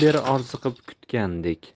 beri orziqib kutgandek